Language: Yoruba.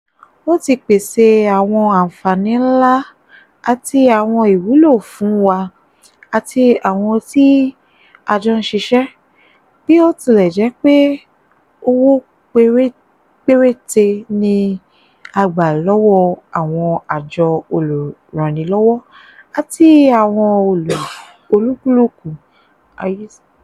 Ó ti pèsè àwọn àǹfààní ńlá àti àwọn ìwúlò fún wa àti àwọn tí a jọ ń ṣiṣẹ́, bí ó tilẹ̀ jẹ́ pé owó péréte ni a gbà lọ́wọ́ àwọn àjọ olúranilọ́wọ̀ àti àwọn olúkúlùkù.